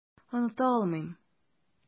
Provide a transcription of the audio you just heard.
Оныта алмыйм.